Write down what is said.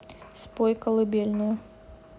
спой колыбельную